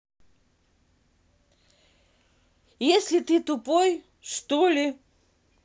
если ты тупой что ли